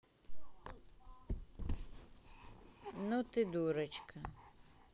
ну ты дурочка